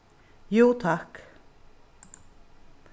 jú takk